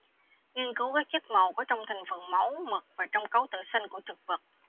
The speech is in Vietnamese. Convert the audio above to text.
nghiên cứu các chất màu có trong thành phần máu mật và trong cấu tử xanh của thực vật